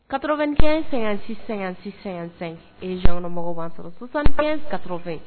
Kato2-- janmɔgɔ' sɔrɔ kaorofɛ